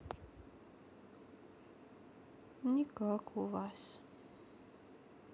никак у вас